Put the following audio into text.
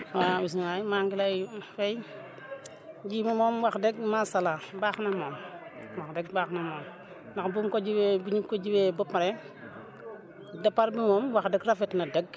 waaw bisimilah maa ngi lay fay nji mi moom wax dëgg macha allah baax na moom wax dëgg baax na moom ndax buñ ko jiwee biñ ko jiwee ba pare départ bi moom wax dëgg rafet na dëgg